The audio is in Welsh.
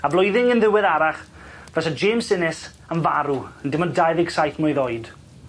A flwyddyn yn ddiweddarach fysa James Innes yn farw yn dim ond dau ddeg saith mlwydd oed.